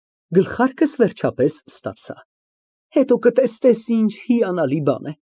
Գլխարկս, վերջապես, ստացա։ Հետո կտեսնես, ինչ հիանալի բան է։